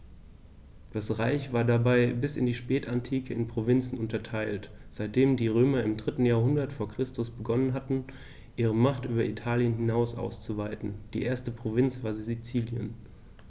Das Reich war dabei bis in die Spätantike in Provinzen unterteilt, seitdem die Römer im 3. Jahrhundert vor Christus begonnen hatten, ihre Macht über Italien hinaus auszuweiten (die erste Provinz war Sizilien).